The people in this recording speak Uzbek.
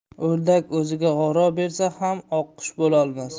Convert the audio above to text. o'rdak o'ziga oro bersa ham oqqush bo'lolmas